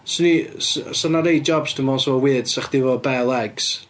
'Swn i... 'sa 'na rhai jobs, dwi'n meddwl 'sa fo'n weird 'sech chdi efo bare legs.